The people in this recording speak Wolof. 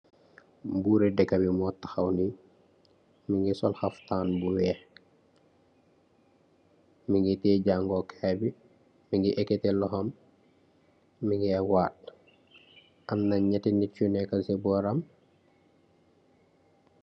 Mburri dekabi mo tahaw ni, mungi sol haftaan bu weeh, mungi tiyee jangukaay bi, mungi eketi lohom, mungee waat, amna nyati nit yu neka si boram.